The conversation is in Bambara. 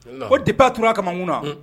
Ko deba tturara a kama mun na